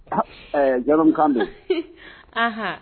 Jaramukan don